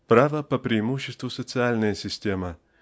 право -- по преимуществу социальная система